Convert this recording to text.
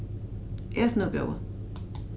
et nú góði